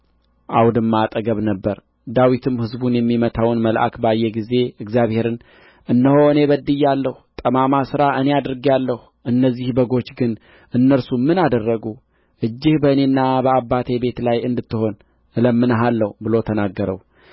አውድማ አጠገብ ነበረ ዳዊትም ሕዝቡን የሚመታውን መልእክ ባየ ጊዜ እግዚአብሔርን እነሆ እኔ በድያለሁ ጠማማም ሥራ እኔ አድርጌአለሁ እነዚህ በጎች ግን እነርሱ ምን አደረጉ እጅህ በእኔና በአባቴ ቤት ላይ እንድትሆን እለምንሃለሁ ብሎ ተናገረው